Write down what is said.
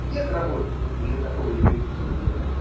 Нет работников ни для какого еврейского дела.